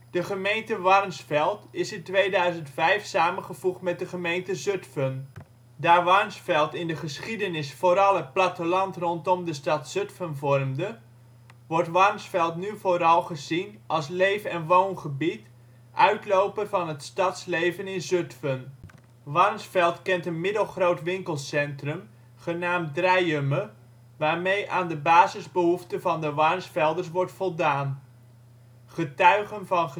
De gemeente Warnsveld is in 2005 samengevoegd met de gemeente Zutphen. Daar Warnsveld in de geschiedenis vooral het platteland rondom de stad Zutphen vormde, wordt Warnsveld nu vooral gezien als leef en woongebied, uitloper van het stadsleven in Zutphen. Warnsveld kent een middelgroot winkelcentrum, genaamd Dreiumme, waarmee aan de basisbehoeften van de Warnsvelders wordt voldaan. Getuigen van